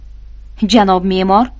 janob me'mor